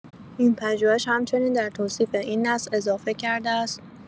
این پژوهش همچنین در توصیف این نسل اضافه کرده است